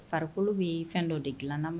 Farikolo bɛ fɛn dɔ de dilanna ma